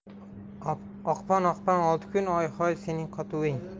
oqpon oqpon olti kun oy hoy sening qotuving